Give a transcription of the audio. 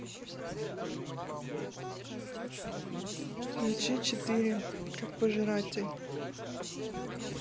включи четыре как пожиратель